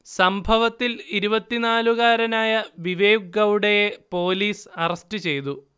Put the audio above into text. സംഭവത്തിൽ ഇരുപത്തിനാല് കാരനായ വിവേക് ഗൌഡയെ പൊലീസ് അറസ്റ്റ് ചെയ്തു